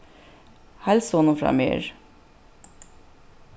heilsa honum frá mær